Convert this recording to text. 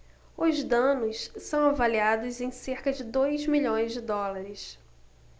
os danos são avaliados em cerca de dois milhões de dólares